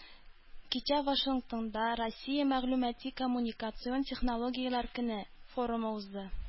Кичә Вашингтонда “Россия мәгълүмати-коммуникацион технологияләр көне” форумы узды.